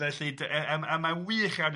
Felly dy- yy yym a mae'n wych iawn